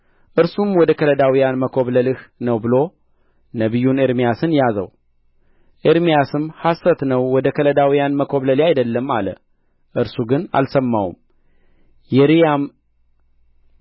እርሱም ወደ ከለዳውያን መኰብለልህ ነው ብሎ ነቢዩን ኤርምያስን ያዘው ኤርምያስም ሐሰት ነው ወደ ከለዳውያን መኰብለሌ አይደለም አለ እርሱ ግን አልሰማውም የሪያም